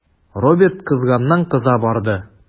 Роберт кызганнан-кыза барды.